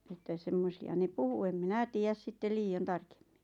että semmoisia ne puhui en minä tiedä sitten liioin tarkemmin